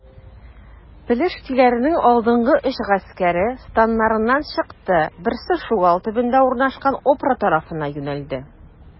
Пелештиләрнең алдынгы өч гаскәре, станнарыннан чыкты: берсе Шугал төбәгендә урнашкан Опра тарафына юнәлде.